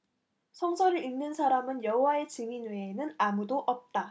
성서를 읽는 사람은 여호와의 증인 외에는 아무도 없다